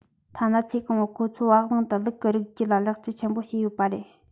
ཐ ན ཚེ གང བོར ཁོ ཚོའི བ གླང དང ལུག གི རིགས རྒྱུད ལ ལེགས བཅོས ཆེན པོ བྱས ཡོད པ རེད